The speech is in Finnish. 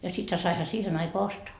ja sittenhän saihan siihen aikaan ostaa